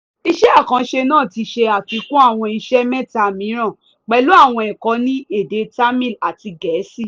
Iṣẹ́ àkànṣe náà ti ṣe àfikún àwọn iṣẹ́ mẹ́ta mìíràn, pẹ̀lú àwọn ẹ̀kọ́ ní èdè Tamil àti Gẹ̀ẹ́sì.